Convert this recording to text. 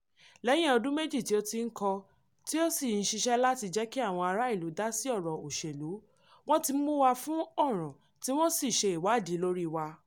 Lẹ́yìn ọdún méjì tí ó ti ń kọ tí ó sì ń ṣiṣẹ́ láti jẹ́ kí àwọn ará ìlú dá sí ọ̀rọ̀ òṣèlú, wọ́n ti mú wa fún ọ̀ràn tí wọ́n sì ṣe ìwádìí lórí wa.